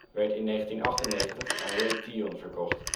werd in 1998 aan Raytheon verkocht